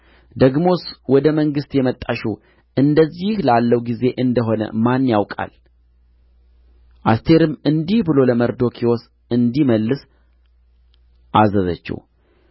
ደግሞስ ወደ መንግሥት የመጣሽው እንደዚህ ላለው ጊዜ እንደ ሆነ ማን ያውቃል አስቴርም እንዲህ ብሎ ለመርዶክዮስ እንዲመልስ አዘዘችው